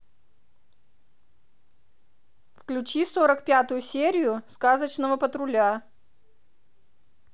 включи сорок пятую серию сказочного патруля